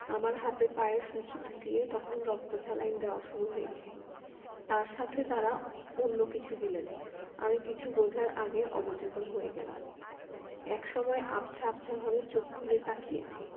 আমার হাতে পায়ে সুচ ঢুকিয়ে তখন রক্ত স্যালাইন দেওয়া শুরু হয়েছে তার সাথে তারা অন্য কিছু দিলেন আমি কিছু বোঝার আগে অচেতন হয়ে গেলাম একসময় আবছা আবছাভাবে চোখ খুলে তাকিয়েছি